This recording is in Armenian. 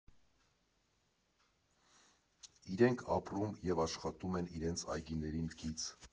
Իրենք ապրում և աշխատում են իրենց այգիներին կից։